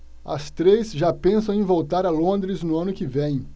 as três já pensam em voltar a londres no ano que vem